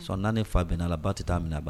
Naani fa bɛna a la ba tɛ t' minɛ ba